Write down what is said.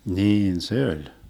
niin se oli